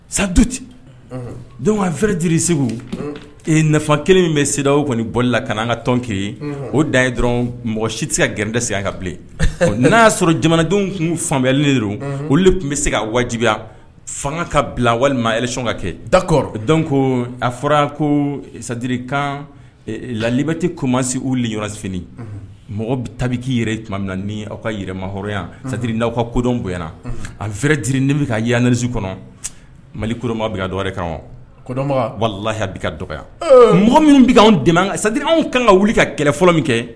Saduti dɔn ka fɛrɛɛrɛj segu eefan kelen bɛ se u kɔni bɔ la ka an ka tɔn ke o da dɔrɔn mɔgɔ si tɛ se ka gɛrɛ tɛ segin an ka bilen n y'a sɔrɔ jamanadenw tun fanyali olu de tun bɛ se ka wajibiya fanga ka bila walima reson ka kɛ dakɔrɔ dɔn ko a fɔra ko sadirikan lalibi tɛ komasi u deyɔrɔsif mɔgɔ bɛ tabikii yɛrɛ tuma min na ni aw ka yɛrɛma hɔrɔnya sadiri' awaw ka kodɔn boyana an fɛrɛɛrɛd ne bɛ ka yanɛriz kɔnɔ mali koma bɛ ka don kandɔn walala bi ka dɔgɔya mɔgɔ minnu bɛ sadiri anw kan ka wuli ka kɛlɛ fɔlɔ min kɛ